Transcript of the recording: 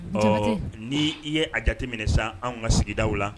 Ɔɔ ni i ye a jate minɛ sa anw ka sigidaw la